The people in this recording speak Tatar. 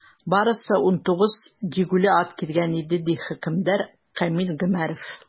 Барысы 19 җигүле ат килгән иде, - ди хөкемдар Камил Гомәров.